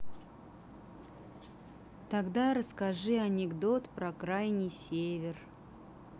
тогда расскажи анекдот про крайний север